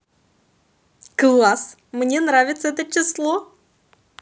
класс мне нравится это число